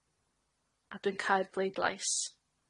A dwi'n cau'r bleidlais.